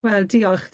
Wel diolch.